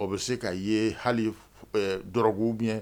O bɛ se ka ye hali ɛ drogue ou bien